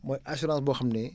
mooy assurance boo xam ne